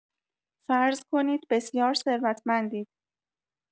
فرض کنید بسیار ثروتمندید